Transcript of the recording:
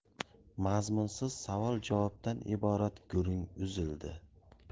mazmunsiz savol javobdan iborat gurung uzildi